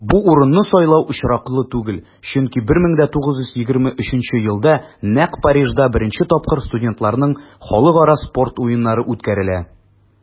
Бу урынны сайлау очраклы түгел, чөнки 1923 елда нәкъ Парижда беренче тапкыр студентларның Халыкара спорт уеннары үткәрелә.